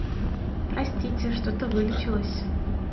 простите что то вылечилось